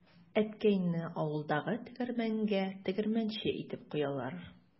Әткәйне авылдагы тегермәнгә тегермәнче итеп куялар.